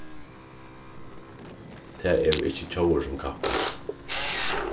tað eru ikki tjóðir sum kappast